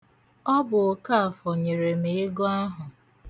O bu Okaafọ nyere m ego ahụ.